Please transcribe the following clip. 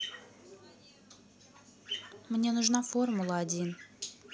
мне нужна формула один